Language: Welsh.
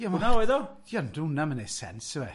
Ie, hwnna oedd o, ond di'wna'm yn neud sense yfe.